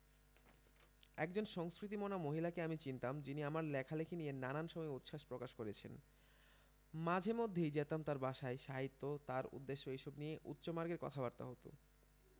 একজন সংস্কৃতি মনা মহিলাকে আমি চিনতাম যিনি আমার লেখালেখি নিয়ে নানান সময় উচ্ছাস প্রকাশ করছেন মাঝে মধ্যেই যেতাম তার বাসায় সাহিত্য তার উদ্দেশ্য এইসব নিয়ে উচ্চমার্গের কথাবার্তা হত